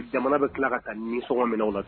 Jamana bɛ tila ka ka ninsɔnɔgɔ minɛ la